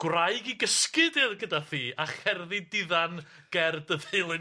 Gwraig i gysgu di'r gyda thi a cherddi diddan ger dy ddeilyn.